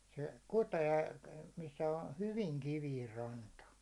se kutee missä on hyvin kivinen ranta